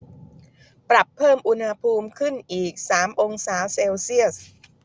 ปรับเพิ่มอุณหภูมิขึ้นอีกสามองศาเซลเซียส